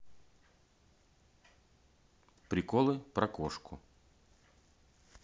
приколы про кошку